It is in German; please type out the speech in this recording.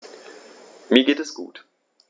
Mir geht es gut.